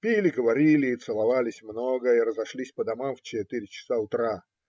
Пили, говорили и целовались много и разошлись по домам в четыре часа утра.